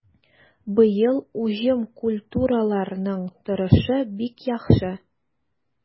Быел уҗым культураларының торышы бик яхшы.